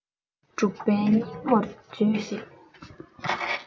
སྒྲུབ པའི སྙིང བོར བྱོས ཤིག